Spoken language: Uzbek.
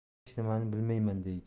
hech nimani bilmayman deydi